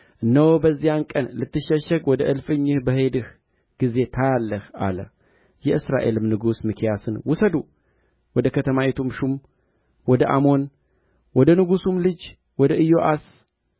እነሆ በዚያ ቀን ልትሸሸግ ወደ እልፍኝህ በሄድህ ጊዜ ታያለህ አለ የእስራኤልም ንጉሥ ሚክያስን ውሰዱ ወደ ከተማይቱም ሹም ወደ አሞን ወደ ንጉሡም ልጅ ወደ ኢዮአስ